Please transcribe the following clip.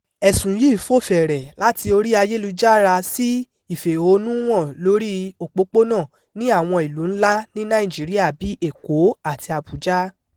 Ẹ̀sùn yìí fò fẹ̀rẹ̀ láti orí ayélujára sí ìfẹ̀hónúhàn lóríi òpópónà ní àwọn ìlú ńlá ní Nàìjíríà bíi Èkó àti Abuja.